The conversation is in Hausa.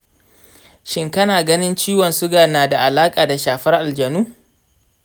shin kana ganin ciwon suga na da alaka da shafar aljanu?